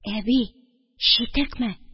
Әби, читекме?